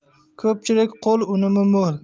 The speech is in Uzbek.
ko'pchilik qo'l unumi mo'l